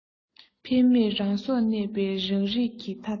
འཕེལ མེད རང སོར གནས པའི རང རིགས ཀྱི མཐའ དག